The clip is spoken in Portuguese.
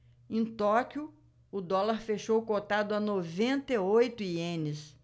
em tóquio o dólar fechou cotado a noventa e oito ienes